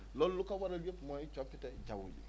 loolu lu ko waral yëpp mooy coppite jaww ji